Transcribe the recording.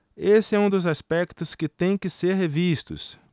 esse é um dos aspectos que têm que ser revistos